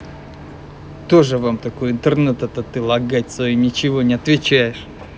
тоже вам такой интернета то ты лагать своими ничего не отвечаешь